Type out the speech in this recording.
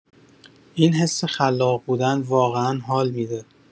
این حس خلاق بودن واقعا حال می‌ده.